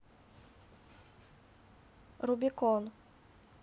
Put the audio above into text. рубикон